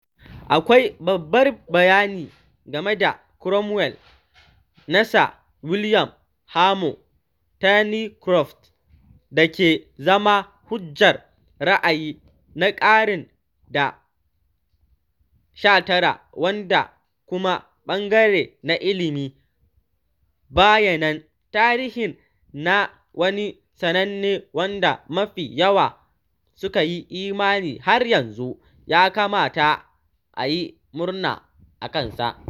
Akwai babbar bayani game da Cromwell na Sir William Hamo Thorneycroft da ke zama hujjar ra’ayi na karni na 19 wanda kuma ɓangare na ilimin bayanan tarihin na wani sananne wanda mafi yawa suka yi imani har yanzu ya kamata a yi murna a kansa.